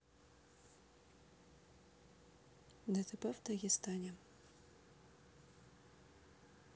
дтп в дагестане